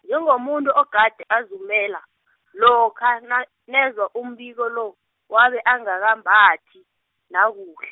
njengomuntu ogade azumela, lokha na- nezwa umbiko lo, wabe angakambathi, nakuhl-.